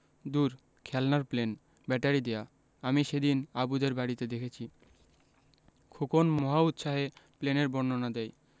দূর খেলনার plane battery দেয়া আমি সেদিন আবুদের বাড়িতে দেখেছি খোকন মহা উৎসাহে প্লেনের বর্ণনা দেয়